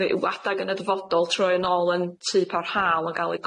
ryw adag yn y dyfodol troi yn ôl yn tŷ parhal yn ga'l ei